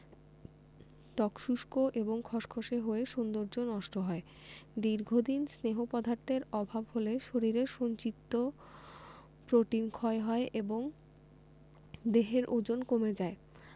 ত্বক শুষ্ক এবং খসখসে হয়ে সৌন্দর্য নষ্ট হয় দীর্ঘদিন স্নেহ পদার্থের অভাব হলে শরীরের সঞ্চিত প্রোটিন ক্ষয় হয় এবং দেহের ওজন কমে যায়